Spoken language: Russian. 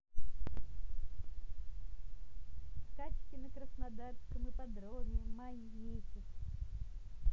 скачки на краснодарском ипподроме май месяц